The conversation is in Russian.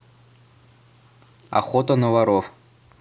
охота на воров